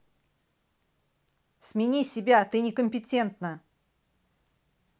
смени себя ты некомпетентна